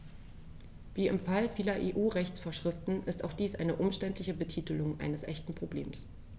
Wie im Fall vieler EU-Rechtsvorschriften ist auch dies eine umständliche Betitelung eines echten Problems.